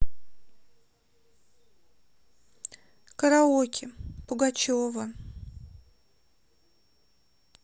караоке пугачева